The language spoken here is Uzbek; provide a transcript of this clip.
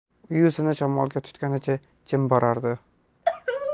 u yuzini shamolga tutganicha jim borardi